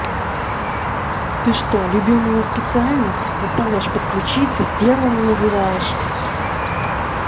ты что любил меня специально заставляешь подключиться сделано называешь